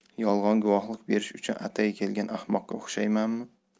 yolg'on guvohlik berish uchun atay kelgan ahmoqqa o'xshaymanmi